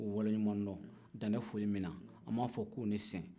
k'u waliɲumandɔn dan tɛ foli min na an b'a fo k'u ni sɛgɛn